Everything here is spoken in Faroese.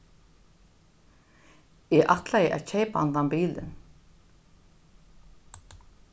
eg ætlaði at keypa handan bilin